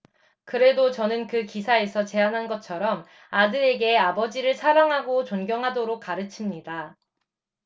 그래도 저는 그 기사에서 제안한 것처럼 아들에게 아버지를 사랑하고 존경하도록 가르칩니다